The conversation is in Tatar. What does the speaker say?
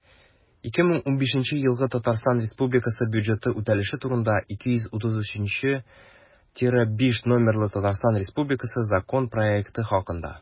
«2015 елгы татарстан республикасы бюджеты үтәлеше турында» 233-5 номерлы татарстан республикасы законы проекты хакында